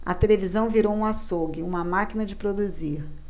a televisão virou um açougue uma máquina de produzir